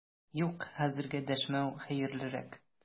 Юк, хәзергә дәшмәү хәерлерәк!